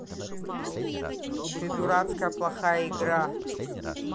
ты дурацкая плохая игра